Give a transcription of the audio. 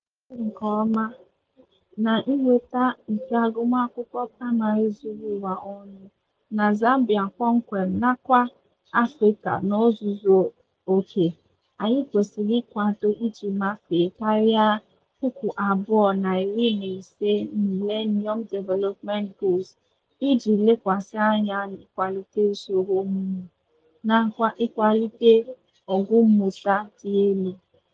N'ikwu okwu nke ọma, na nnweta nke agụmakwụkwọ praịmarị zuru ụwa ọnụ, na Zambia kpọmkwem nakwa Afrịka n'ozuzu oke, anyị kwesịrị ịkwado iji mafee karịa 2015 Millennium Development Goals iji lekwasị anya n'ịkwalite usoro ọmụmụ nakwa ịkwalite ogo mmụta dị elu.